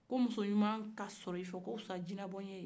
ko musoɲuma ka sɔrɔ i fɛ o ka fusa ni jinɛbɔnye ye